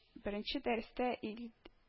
Беренче дәрестә ил